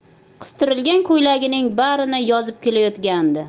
qistirilgan ko'ylagining barini yozib kelayotgandi